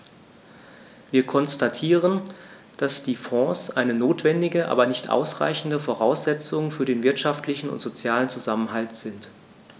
Wir konstatieren, dass die Fonds eine notwendige, aber nicht ausreichende Voraussetzung für den wirtschaftlichen und sozialen Zusammenhalt sind.